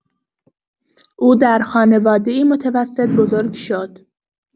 او در خانواده‌ای متوسط بزرگ شد.